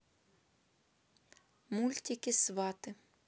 мультики сваты